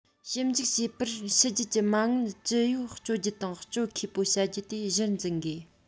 ཞིབ འཇུག བྱེད པར ཕྱི རྒྱལ གྱི མ དངུལ ཅི ཡོད སྤྱོད རྒྱུ དང སྤྱོད མཁས པོ བྱ རྒྱུ དེ གཞིར འཛིན དགོས